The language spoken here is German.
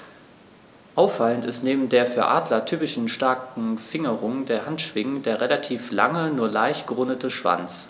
Auffallend ist neben der für Adler typischen starken Fingerung der Handschwingen der relativ lange, nur leicht gerundete Schwanz.